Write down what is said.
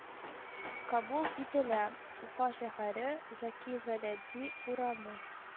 Кабул ителә: уфа шәһәре, зәки вәлиди урамы